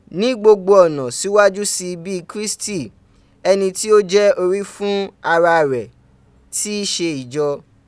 ni gbogbo ona siwaju si bi Kirisiti, eni ti o je ori fun ara re, ti i se ijo.